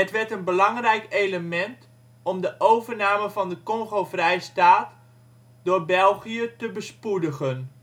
werd een belangrijk element om de overname van de Kongo-Vrijstaat door België te bespoedigen